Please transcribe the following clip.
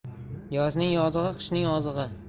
yozning yozig'i qishning ozig'i